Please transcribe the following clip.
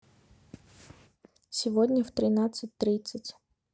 сегодня в тринадцать тридцать